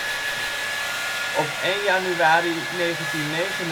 Op 1 januari 1999 is de